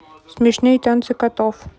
смешные танцы котов